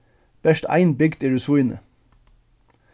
bert ein bygd er í svínoy